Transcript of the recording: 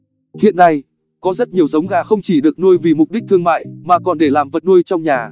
hiện nay có rất nhiều giống gà không chỉ được nuôi vì mục đích thương mại mà còn để làm vật nuôi trong nhà